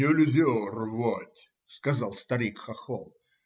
- Нельзя рвать, - сказал старик-хохол.